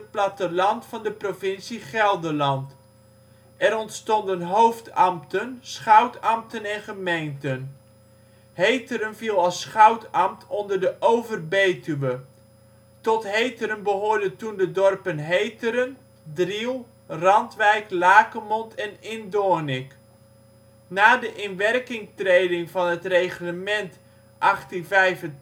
platteland van de Provincie Gelderland. Er ontstonden hoofdambten, schoutambten en gemeenten. Heteren viel als schoutambt onder de Over-Betuwe. Tot Heteren behoorden toen de dorpen Heteren, Driel, Randwijk Lakemond en Indoornik. Na de inwerkingtreding van het Reglement (1825) is het